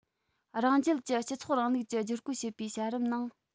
རང རྒྱལ གྱི སྤྱི ཚོགས རིང ལུགས ཀྱི བསྒྱུར བཀོད བྱེད པའི བྱ རིམ ནང